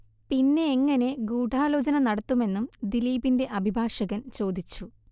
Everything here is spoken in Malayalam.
പിന്നെ എങ്ങനെ ഗൂഢാലോചന നടത്തുമെന്നും ദിലീപിന്റെ അഭിഭാഷകൻ ചോദിച്ചു